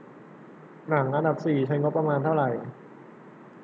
หนังอันดับสี่ใช้งบประมาณเท่าไหร่